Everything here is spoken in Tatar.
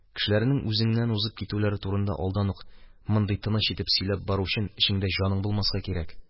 Кешеләрнең үзеңнән узып китүләре турында алдан ук мондый тыныч итеп сөйләп бару өчен, эчеңдә җаның булмаска кирәк.